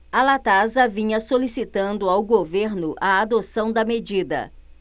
a latasa vinha solicitando ao governo a adoção da medida